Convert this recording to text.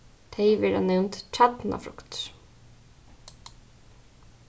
tey verða nevnd kjarnafruktir